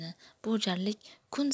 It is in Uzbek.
bu jarlik kun